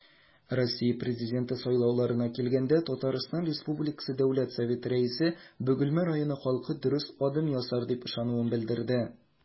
Россия Президенты сайлауларына килгәндә, ТР Дәүләт Советы Рәисе Бөгелмә районы халкы дөрес адым ясар дип ышануын белдерде.